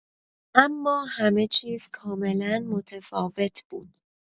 اما همه چیز کاملا متفاوت بود.